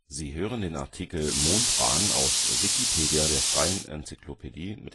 Sie hören den Artikel Mondbahn, aus Wikipedia, der freien Enzyklopädie